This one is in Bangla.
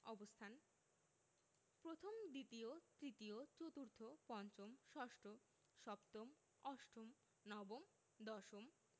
অবস্থানঃ প্রথম দ্বিতীয় তৃতীয় চতুর্থ পঞ্চম ষষ্ঠ সপ্তম অষ্টম নবম দশম